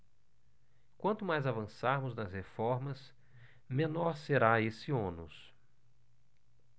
quanto mais avançarmos nas reformas menor será esse ônus